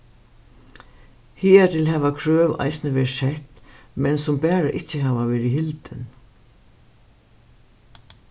higartil hava krøv eisini verið sett men sum bara ikki hava verið hildin